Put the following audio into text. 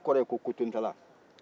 sa kɔrɔ ye ko kotontala